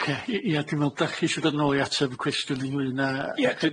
Ocê, i- ia dw me'wl dach chi isho dod nôl i ateb y cwestiwn ynglyn â...